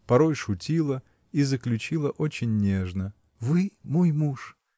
порой шутила и заключила очень нежно – Вы – мой муж!